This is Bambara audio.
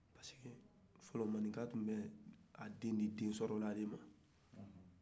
parce que fɔlɔ manden ka tun be a den di densɔrɔla de ma